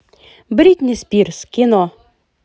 бритни спирс кино